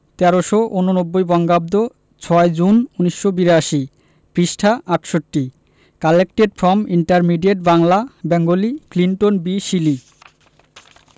১৩৮৯ বঙ্গাব্দ ৬ জুন১৯৮২ পৃষ্ঠাঃ ৬৮ collected from intermediate Bangla Bengali Clinton B Seely